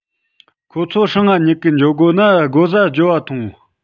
ཁོད ཚོ སྲང ང ཉུལ གི འགྱོ དགོ ན སྒོ ཟྭ རྒྱོབ བ ཐོངས